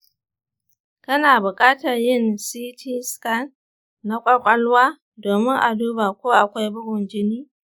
kana buƙatar yin ct scan na ƙwaƙwalwa domin a duba ko akwai bugun jini .